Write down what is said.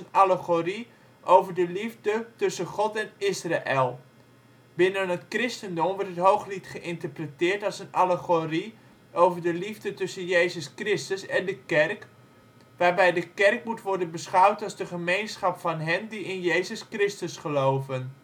allegorie over de liefde tussen God en Israël. Binnen het christendom wordt het Hooglied geïnterpreteerd als een allegorie over de liefde tussen Jezus Christus en de kerk (waarbij de kerk moet worden beschouwd als de gemeenschap van hen, die in Jezus Christus geloven